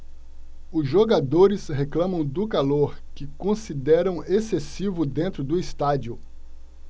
os jogadores reclamam do calor que consideram excessivo dentro do estádio